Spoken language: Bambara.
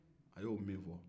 a y'o min fɔ